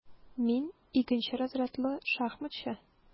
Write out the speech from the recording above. Мин - икенче разрядлы шахматчы.